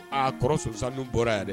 Aa kɔrɔsan n' bɔra yɛrɛ dɛ